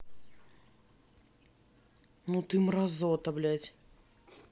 ну ты мразота блядь